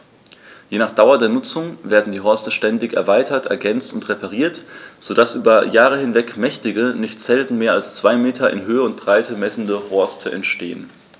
Je nach Dauer der Nutzung werden die Horste ständig erweitert, ergänzt und repariert, so dass über Jahre hinweg mächtige, nicht selten mehr als zwei Meter in Höhe und Breite messende Horste entstehen.